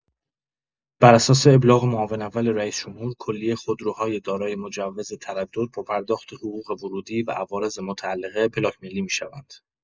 بر اساس ابلاغ معاون اول رئیس‌جمهور، کلیه خودروهای دارای مجوز تردد با پرداخت حقوق ورودی و عوارض متعلقه، پلاک ملی می‌شوند.